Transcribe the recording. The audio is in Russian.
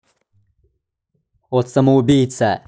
от самоубийца